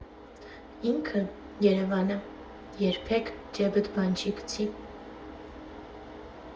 Ինքը՝ Երևանը, երբեք ջեբդ բան չի քցի։